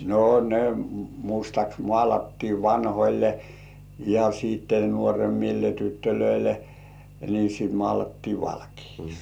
no ne mustaksi maalattiin vanhoille ja sitten nuoremmille tytöille niin sitten maalattiin valkeaksi